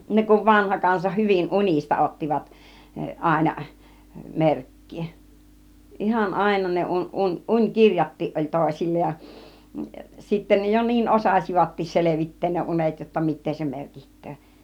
ne kun vanha kansa hyvin unista ottivat aina merkkiä ihan aina ne --- unikirjatkin oli toisilla ja sitten ne jo niin osasivatkin selvittää ne unet jotta mitä se merkitsee